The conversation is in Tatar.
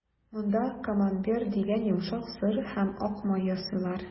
Монда «Камамбер» дигән йомшак сыр һәм ак май ясыйлар.